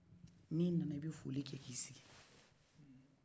n'i nana i bɛ foli kɛ k'i sigi